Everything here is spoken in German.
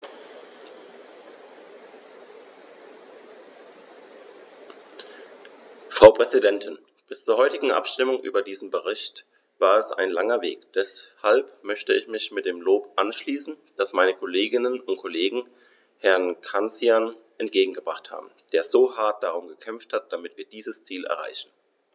Frau Präsidentin, bis zur heutigen Abstimmung über diesen Bericht war es ein langer Weg, deshalb möchte ich mich dem Lob anschließen, das meine Kolleginnen und Kollegen Herrn Cancian entgegengebracht haben, der so hart darum gekämpft hat, damit wir dieses Ziel erreichen.